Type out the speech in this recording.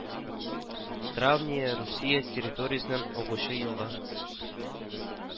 Травная Русия территориясеннән агучы елга